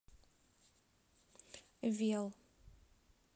вел